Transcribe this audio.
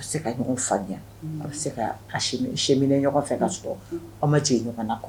A' be se ka ɲɔgɔn faamuya a be se kaa a chemi cheminer ɲɔgɔn fɛ ka sɔrɔ aw ma jigin ɲɔgɔn na quoi